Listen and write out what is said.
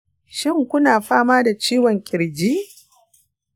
shin ku na fama da ciwon ƙirji